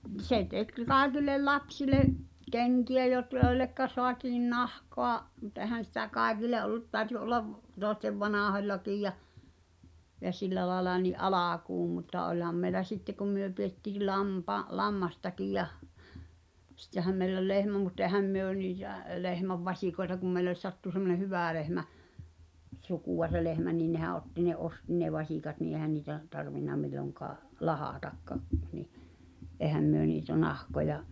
se teki kaikille lapsille kenkiä - joille saatiin nahkaa mutta eihän sitä kaikille ollut täytyi olla toisten vanhoillakin ja ja sillä lailla niin alkuun mutta olihan meillä sitten kun me pidettiin - lammastakin ja sittenhän meillä oli lehmä mutta eihän me niitä lehmän vasikoita kun meille sattui semmoinen hyvä lehmä sukua se lehmä niin nehän otti ne osti ne vasikat niin eihän niitä tarvinnut milloinkaan lahdatakaan niin eihän me niitä nahkoja